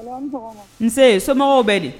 Nse somɔgɔw bɛ di